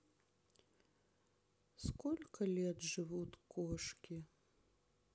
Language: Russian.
сколько лет живут кошки